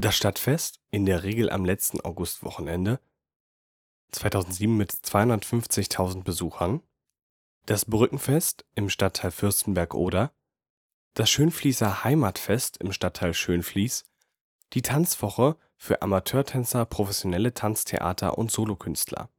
Stadtfest (in der Regel am letzten Augustwochenende, 2007 mit 250.000 Besuchern) Das Brückenfest im Stadtteil Fürstenberg/Oder Das Schönfließer Heimatfest im Stadtteil Schönfließ Die Tanzwoche für Amateurtänzer, professionelles Tanztheater und Solokünstler